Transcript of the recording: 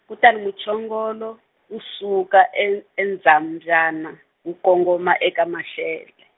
kutani muchongolo, wu suka el- eNdzambyana, wu kongoma, eka Maxele.